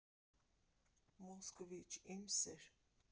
Մոսկվիչ, իմ սե՜ր։